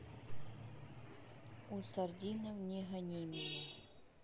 у сардинов не гони меня